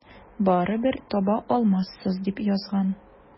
Барыбер таба алмассыз, дип язган.